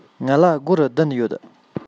ང ལ སྒོར བདུན ཡོད